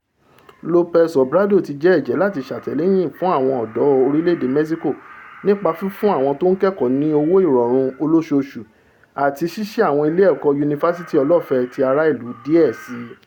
Lopez Obrador ti jẹ́ ẹ̀jẹ́ láti ṣàtìlẹ́yîn fun àwọn ọ̀dọ́ orílẹ̀-èdè Mẹ́ṣíkò nípa fífún àwọn tó ńkẹ́kọ̀ọ́ ní owó ìrọ̀rùn olóoṣooṣù àti sísí àwọn ilẹ̀ ẹ̀kọ́ yunifásitì ọlọ́ọ̀fẹ́ ti ara ìlú díẹ̵̀ síi.